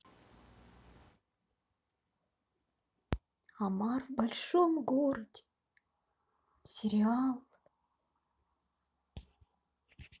омар в большом городе сериал